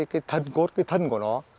cái thân cỗ cái thân của nó